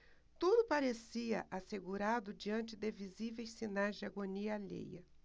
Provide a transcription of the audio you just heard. tudo parecia assegurado diante de visíveis sinais de agonia alheia